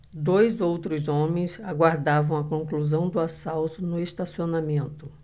dois outros homens aguardavam a conclusão do assalto no estacionamento